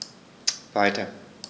Weiter.